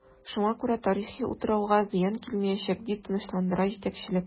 Шуңа күрә тарихи утрауга зыян килмиячәк, дип тынычландыра җитәкчелек.